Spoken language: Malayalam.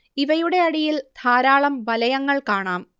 ഇവയുടെ അടിയിൽ ധാരാളം വലയങ്ങൾ കാണാം